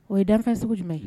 O ye danfɛn segu jumɛn ye